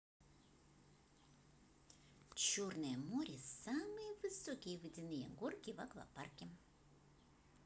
черное море самые высокие водяные горки в аквапарке